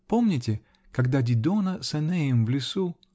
Помните, когда Дидона с Энеем в лесу.